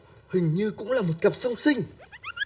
hình như cũng là một cặp song sinh